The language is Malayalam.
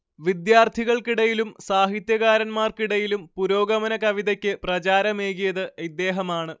വിദ്യാർഥികൾക്കിടയിലും സാഹിത്യകാരന്മാർക്കിടയിലും പുരോഗമന കവിതയ്ക്ക് പ്രചാരമേകിയത് ഇദ്ദേഹമാണ്